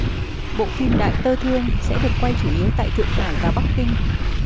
bộ phim đại tơ thương sẽ được quay chủ yếu tại thượng hải và bắc kinh